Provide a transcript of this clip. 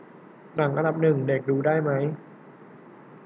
หนังอันดับหนึ่งเด็กดูได้ไหม